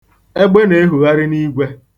Egbe na-ehugharị n'igwe.